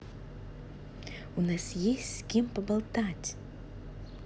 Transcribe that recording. у нас есть с кем поболтать